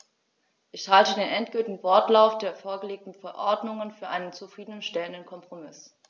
Ich halte den endgültigen Wortlaut der vorgelegten Verordnung für einen zufrieden stellenden Kompromiss.